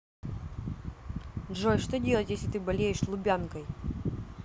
джой что делать если ты болеешь лубянкой